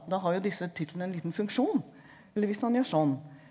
da har jo disse titlene en liten funksjon eller hvis han gjør sånn.